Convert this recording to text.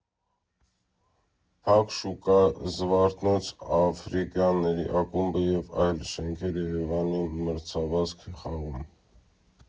Փակ շուկան, «Զվարթնոցը», Աֆրիկյանների ակումբը և այլ շենքեր՝ ԵՐԵՎԱՆի մրցավազք֊խաղում։